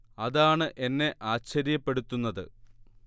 അതാണ് എന്നെ ആശ്ചര്യപ്പെടുത്തുന്നത്